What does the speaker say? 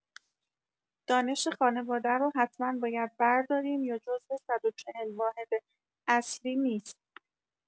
دانش خانواده رو حتما باید برداریم یا جزو ۱۴۰ واحد اصلی نیست؟